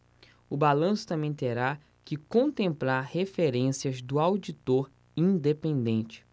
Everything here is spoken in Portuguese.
o balanço também terá que contemplar referências do auditor independente